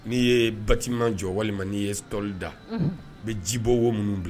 N'i yee batiment jɔ walima n'i ye s tôle da unhun i be jibɔ wo minnu bila